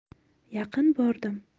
yaqin bordim